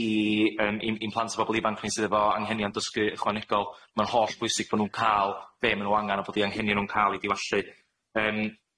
i yym i'n i'n plant a pobol ifanc ni sydd efo anghenion dysgu ychwanegol ma'n hollbwysig bo' nw'n ca'l be' ma' nw angan a bod 'i anghenio'n nw'n ca'l 'i diwallu.